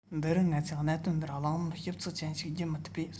འདི རུ ང ཚོས གནད དོན འདིར གླེང མོལ ཞིབ ཚགས ཅན ཞིག བགྱི མི ཐུབ པས